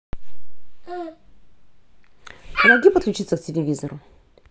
помоги подключиться к телевизору